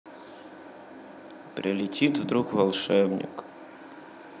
прилетит вдруг волшебник